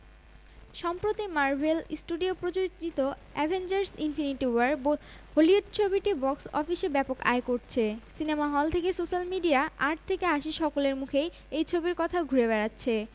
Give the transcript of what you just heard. সিদ্দিকীসহ অন্যরা কান উৎসবে নিজের উপস্থিতি ভক্তদের জানান দিতে নিজের ইনস্টাগ্রাম অ্যাকাউন্টে একটি ছবি পোস্ট করেন ৪৩ বছর বয়সী তারকা নওয়াজুদ্দিন কানে আঁ সারতে রিগার বিভাগে ছবিটি নির্বাচিত হয়েছে